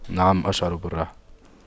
نعم اشعر بالراحة